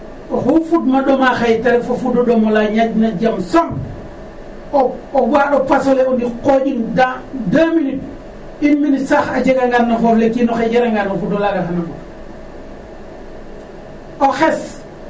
Oxu fudma ɗomaa xaye ta ref o fud o ñaaƴna jam soom o waaɗ o fas ole o ndik xoƴin dans deux minute une minute sax a jegangaan no foof le o kiin a xaaga yerangan o fud olaaga xan a ɓut. O xes